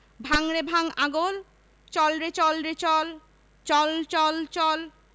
ভাঙ রে ভাঙ আগল চল রে চল রে চল চল চল চল